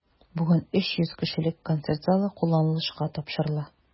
Бүген 300 кешелек концерт залы кулланылышка тапшырыла.